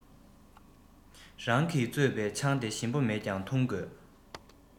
རང གིས བཙོས པའི ཆང དེ ཞིམ པོ མེད ཀྱང འཐུང དགོས